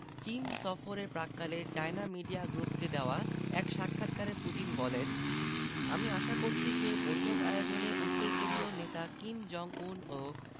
চীন সফরের প্রাক্কালে চায়না মিডিয়া গ্রুপকে দেওয়া এক সাক্ষাৎকারে পুতিন বলেন আমি আশা করছি যে বৈঠক আয়োজনে উত্তর কোরীয় নেতা কিম জং উন ও